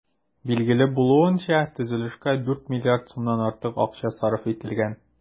Билгеле булуынча, төзелешкә 4 миллиард сумнан артык акча сарыф ителгән.